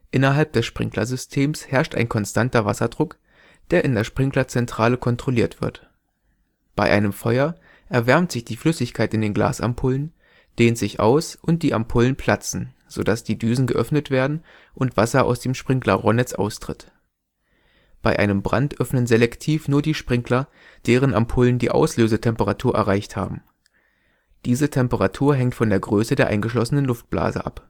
Innerhalb des Sprinklersystems herrscht ein konstanter Wasserdruck, der in der Sprinklerzentrale kontrolliert wird. Bei einem Feuer erwärmt sich die Flüssigkeit in den Glasampullen, dehnt sich aus und die Ampullen platzen, so dass die Düsen geöffnet werden und Wasser aus dem Sprinklerrohrnetz austritt. Bei einem Brand öffnen selektiv nur die Sprinkler, deren Ampullen die Auslösetemperatur erreicht haben. Diese Temperatur hängt von der Größe der eingeschlossenen Luftblase ab